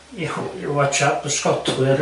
i chw- i watsiad prysgotwyr.